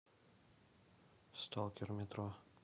сталкер метро